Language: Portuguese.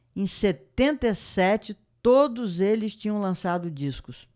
em setenta e sete todos eles tinham lançado discos